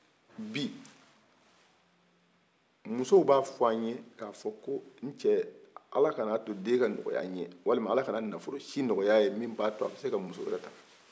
bi musow b'a f'an ye ka fɔ ko cɛ ala kana a to den ka nɔgɔya ye walima ala kana nafolo si nɔgɔya ye min ba t'a bi se ka muso wɛrɛ ta